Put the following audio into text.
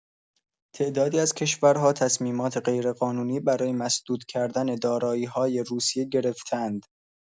تعدادی از کشورها تصمیمات غیرقانونی برای مسدود کردن دارایی‌های روسیه گرفته‌اند.